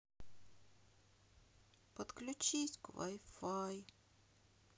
подключись к вай фай